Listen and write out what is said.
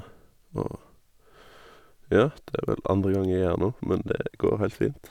Og, ja, det er vel andre gang jeg er her nå, men det går heilt fint.